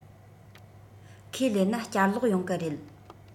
ཁས ལེན ན བསྐྱར ལོག ཡོང གི རེད